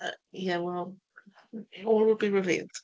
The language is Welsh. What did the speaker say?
Yy, ie, wel, all will be revealed.